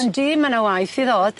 Yndi ma' 'na waeth i ddod.